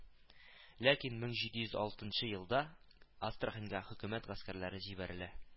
Ләкин бер мең җиде йөз алтынчы елда Астраханьга хөкүмәт гаскәрләре җибәрелә